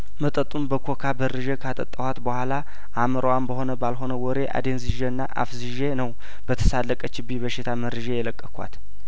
መጠጡን በኮካ በርዤ ካጠጣኋት በኋላ አእምሮዋን በሆነ ባልሆነው ወሬ አደንዝዤና አፍዝዤ ነው በተሳለቀችብኝ በሽታ መርዤ የለቀኳት